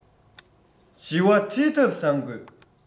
བཞི བ ཁྲིད ཐབས བཟང དགོས